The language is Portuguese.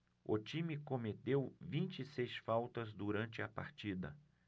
o time cometeu vinte e seis faltas durante a partida